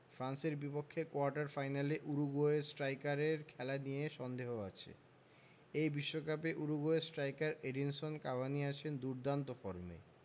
ফ্রান্সের বিপক্ষে কোয়ার্টার ফাইনালে উরুগুয়ে স্ট্রাইকারের খেলা নিয়ে সন্দেহ আছে এই বিশ্বকাপে উরুগুয়ের স্ট্রাইকার এডিনসন কাভানি আছেন দুর্দান্ত ফর্মে